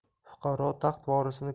fuqaro taxt vorisini